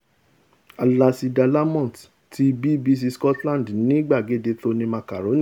Alasdair Lamont ti BBC Scotland ní Gbàgede Tony Macaroni